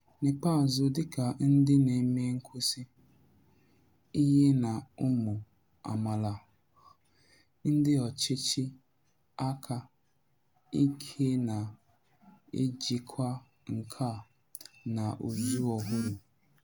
N'ikpeazụ, dịka ndị na-eme nkwusa ihe na ụmụ amaala, ndị ọchịchị aka ike na-ejikwa nkà na ụzụ ọhụrụ.